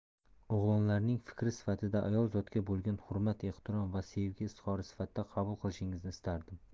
o'g'lonlarining fikri sifatida ayol zotiga bo'lgan hurmat ehtirom va sevgi izhori sifatida qabul qilishingizni istardim